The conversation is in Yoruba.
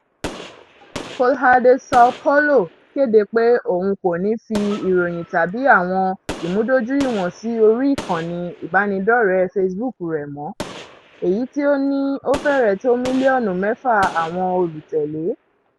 Folha de Sao Paulo kéde pé òun kò ní fi ìròyìn tàbí àwọn ìmúdójúìwọ̀n sí orí ìkànnì ìbánidọ́rẹ̀ẹ́ Facebook rẹ mọ́, èyí tí ó ní ó fẹ́rẹ̀ tó mílíọ̀nù mẹ́fà àwọn olùtẹ̀lé.